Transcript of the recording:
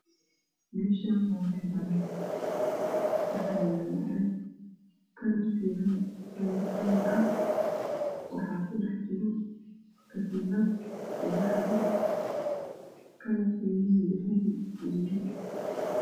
Meeshan waa meel banaan ah waxaa yaalo caag kalarkiisu yahay kalar qalin ah waxaa ku dhex jiro katiinad laba xabo kalarkeeduna dahabi uuyahay